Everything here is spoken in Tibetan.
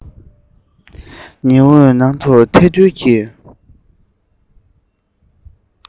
ཉི འོད ནང དུ ཐལ རྡུལ གྱི